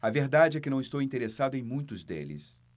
a verdade é que não estou interessado em muitos deles